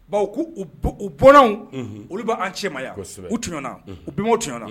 Bawo ku u bɔnnanw olu ban cɛmayan u tɔnɲɔn na u bɛnbaw tɔnɲɔn na.